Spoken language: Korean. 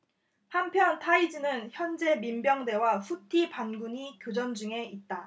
한편 타이즈는 현재 민병대와 후티 반군이 교전 중에 있다